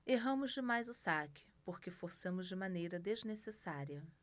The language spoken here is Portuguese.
erramos demais o saque porque forçamos de maneira desnecessária